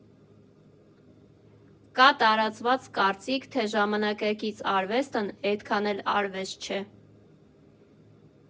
Կա տարածված կարծիք, թե ժամանակակից արվեստն էդքան էլ արվեստ չէ։